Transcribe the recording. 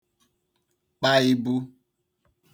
kpaìbu